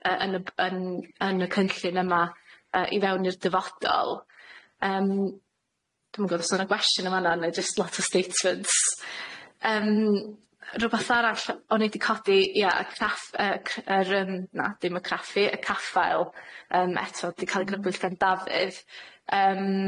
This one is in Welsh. yy yn y b- yn yn y cynllun yma yy i fewn i'r dyfodol yym dwi'm yn gwbo os o' 'na gwestiwn yn fanna ne' jyst lot o statements, yym rwbath arall o ni di codi ia y caff- yy c- yr yym na dim y craffu y caffael yym eto di ca'l ei grybwyll gan Dafydd.